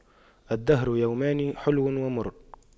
الدهر يومان حلو ومر